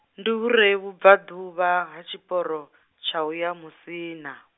ndi hu re vhubvaḓuvha ha tshiporo, tsha u ya Musina.